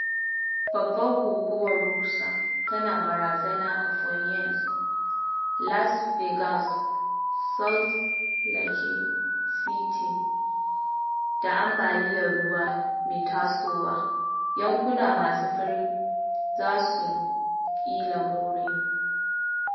Babbar Guguwar Rosa Tana Barazana a Phoenix, Las Vegas, Salt Lake City Da Ambaliyar Ruwa Mai Tasowa (Yankuna Masu Fari Za Su Ƙila More)